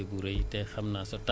bilaay lu yàgg dëgg la